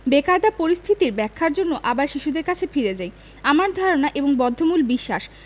বেকায়দা পরিস্থিতির ব্যাখ্যার জন্যে আবার শিশুদের কাছে ফিরে যাই আমার ধারণা এবং বদ্ধমূল বিশ্বাস